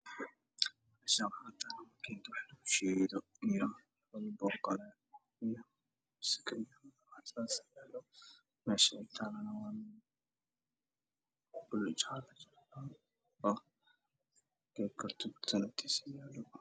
Halkaan waxa ka muuqdo fiilo fiilada midabkeedu waa jaale waxayna ku xirantahay meel